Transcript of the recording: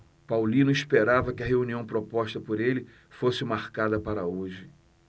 paulino esperava que a reunião proposta por ele fosse marcada para hoje